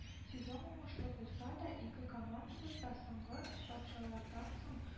Сезон уңышлы булса да, ике командабыз да соңгы очраушалардан соң